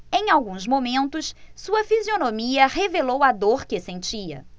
em alguns momentos sua fisionomia revelou a dor que sentia